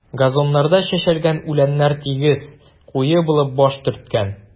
Газоннарда чәчелгән үләннәр тигез, куе булып баш төрткән.